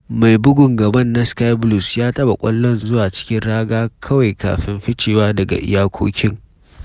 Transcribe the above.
Mai bugun gaban na Sky Blues ya taɓa ƙwallon zuwa cikin raga kawai kafin ficewa daga iyakokin.